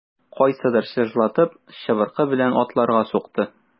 Кайсыдыр чыжлатып чыбыркы белән атларга сукты.